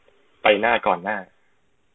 ไปหน้าก่อนหน้า